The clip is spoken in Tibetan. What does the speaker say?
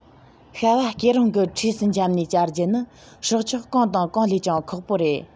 ཤྭ བ སྐེ རིང གི འཁྲིས སུ འཇབ ནས བཅར རྒྱུ ནི སྲོག ཆགས གང དང གང ལས ཀྱང ཁག པོ རེད